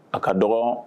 A ka dɔgɔ